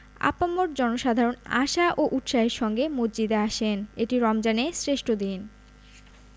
আপামর জনসাধারণ আশা ও উৎসাহের সঙ্গে মসজিদে আসেন এটি রমজানের শ্রেষ্ঠ দিন